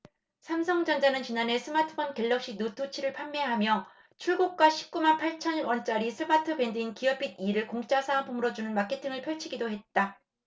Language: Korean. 삼성전자는 지난해 스마트폰 갤럭시노트 칠 을 판매하며 출고가 십 구 만 팔천 원짜리 스마트밴드인 기어핏 이 를 공짜 사은품으로 주는 마케팅을 펼치기도 했다